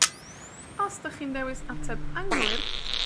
Os 'dych chi'n dewis ateb anghywir,